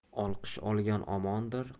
olqish olgan omondir